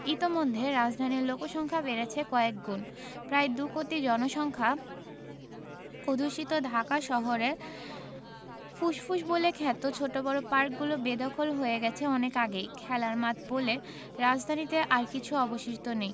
ইতোমধ্যে রাজধানীর লোকসংখ্যা বেড়েছে কয়েকগুণ প্রায় দুকোটি জনসংখ্যা অধ্যুষিত ঢাকা শহরের ফুসফুস বলে খ্যাত ছোট বড় পার্কগুলো বেদখল হয়ে গেছে অনেক আগেই খেলার মাঠ বলে রাজধানীতে আজ আর কিছু অবশিষ্ট নেই